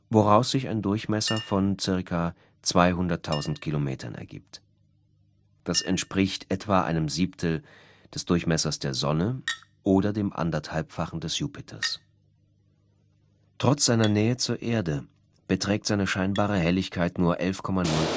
woraus sich ein Durchmesser von ca. 200.000 km ergibt. Das entspricht etwa einem Siebtel des Durchmessers der Sonne oder dem anderhalbfachen des Jupiters. Trotz seiner Nähe zur Erde beträgt seine scheinbare Helligkeit nur 11,05m